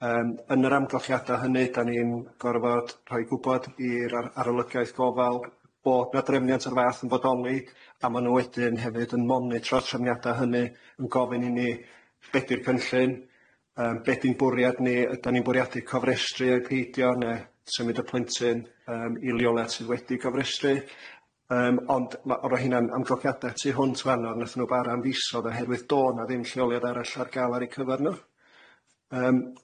Yym yn yr amgylchiada hynny 'dan ni'n gorfod rhoi gwbod i'r a- arolygaeth gofal bod 'na drefniant o'r fath yn bodoli a ma' nhw wedyn hefyd yn monitro trefniada hynny yn gofyn i ni be 'di'r cynllun yym be 'di'n bwriad ni ydan ni'n bwriadu cofrestru ai peidio ne' symud y plentyn yym i leoliad sydd wedi'i cofrestru yym ond ma' o'r o' rheina'n amgylchiada tu hwnt nathon nhw bar'a' am fisoedd oherwydd do' 'na ddim llenoliad arall ar ga'l ar eu cyfar nhw, yym.